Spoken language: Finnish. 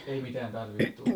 ei mitään tarvittu